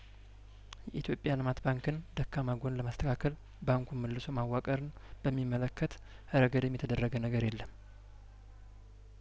የኢትዮጵያ ልማት ባንክን ደካማ ጐን ለማስተካከል ባንኩን መልሶ ማዋቀር በሚመለከት ረገድም የተደረገ ነገር የለም